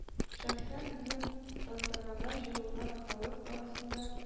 Шәхсән үзем тантанага җыелган халык арасында